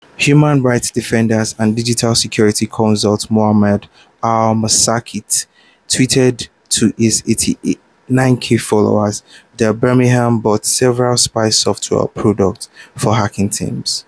Human rights defender and digital security consultant Mohammed Al-Maskati tweeted to his 89K followers that Bahrain bought several spy software products from Hacking Team.